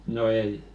no ei